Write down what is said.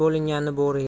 bo'linganni bo'ri yer